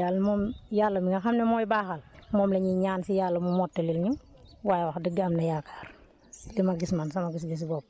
fiñ nekk nii daal moom yàlla mi nga xam ne mooy baaxal moom la ñuy ñaan si yàlla mu motalil ñu waaye wax dëgg am nañ yaakaar si li ma gis man sama gis-gisu bopp